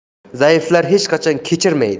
zaiflar hech qachon kechirmaydi